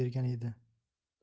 yuz bergan edi